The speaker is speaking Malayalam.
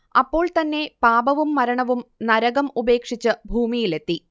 അപ്പോൾ തന്നെ പാപവും മരണവും നരകം ഉപേക്ഷിച്ച് ഭൂമിയിലെത്തി